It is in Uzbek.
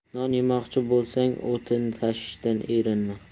non yemoqchi bo'lsang o'tin tashishdan erinma